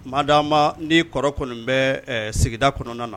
Ma d a ma ni kɔrɔ kɔni bɛ sigida kɔnɔna na